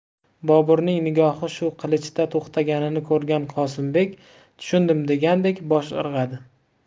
boburning nigohi shu qilichda to'xtaganini ko'rgan qosimbek tushundim degandek bosh irg'adi